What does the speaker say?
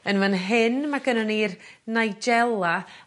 yn fan hyn ma' gynnon ni'r nigela